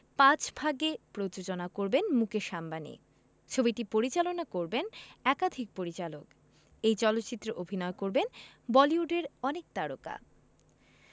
পাঁচ ভাগে প্রযোজনা করবেন মুকেশ আম্বানি ছবিটি পরিচালনা করবেন একাধিক পরিচালক এই চলচ্চিত্রে অভিনয় করবেন বলিউডের অনেক তারকা